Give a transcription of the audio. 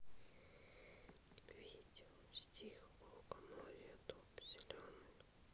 видео стих у лукоморья дуб зеленый